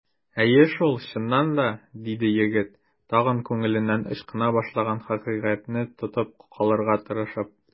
Әйе шул, чыннан да! - диде егет, тагын күңеленнән ычкына башлаган хакыйкатьне тотып калырга тырышып.